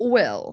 Wil.